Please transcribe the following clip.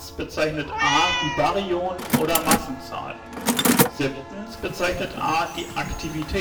bezeichnet A die Baryonen - oder Massenzahl bezeichnet A die Aktivität